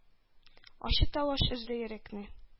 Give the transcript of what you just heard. Ачы тавыш өзде йөрәкне: